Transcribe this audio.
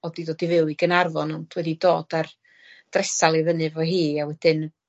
odd 'di ddod i fyw i Ganarfon ond wedi dod a'r dresal i fyny 'fo hi a wedyn